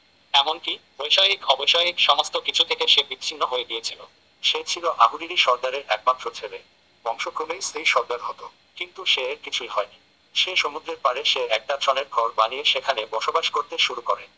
এমনকি বৈষয়িক অবৈষয়িক সমস্ত কিছু থেকে সে বিচ্ছিন্ন হয়ে গিয়েছিল সে ছিল আহুরিরি সর্দারের একমাত্র ছেলে বংশক্রমেই সেই সর্দার হতো কিন্তু সে এর কিছুই হয়নি সে সমুদ্রের পাড়ে সে একটা ছনের ঘর বানিয়ে সেখানে বসবাস করতে শুরু করে